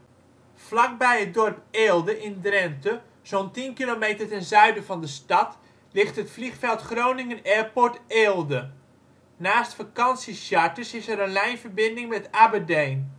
Vlakbij het dorp Eelde (Drenthe), zo 'n 10 kilometer ten zuiden van de stad, ligt het vliegveld Groningen Airport Eelde. Naast vakantiecharters is er een lijnverbinding met Aberdeen